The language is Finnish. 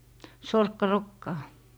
sorkkarokkaa